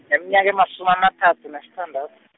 ngineminyaka emasumi amathathu nasithandath- .